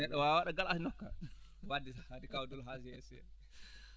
neɗɗo waawaa ɗo waɗa glace nokka wadde kaw Doulo haa yeeso seeɗa